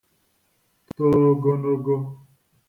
to ogonogo